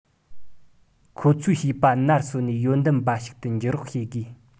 ཁོ ཚོའི བྱིས པ ནར སོན ནས ཡོན ཏན པ ཞིག ཏུ འགྱུར རོགས བྱེད དགོས